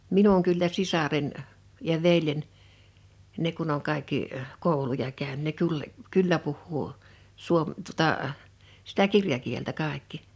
minun kyllä sisareni ja veljeni ne kun on kaikki kouluja - ne - kyllä puhuu - tuota sitä kirjakieltä kaikki